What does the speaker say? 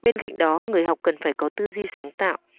bên cạnh đó người học cần phải có tư duy sáng tạo